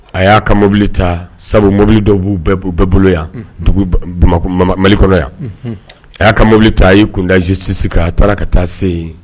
A y'a ka mɔbili ta sabu mɔbili dɔw b'u bɛɛ bolo yan dugu mali kɔnɔ yan a y'a ka mobili ta a'i kundzjisisi ka a taara ka taa se yen